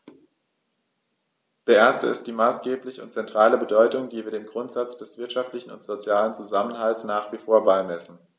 Der erste ist die maßgebliche und zentrale Bedeutung, die wir dem Grundsatz des wirtschaftlichen und sozialen Zusammenhalts nach wie vor beimessen.